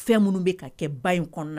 Fɛn minnu bɛ ka kɛ ba in kɔnɔ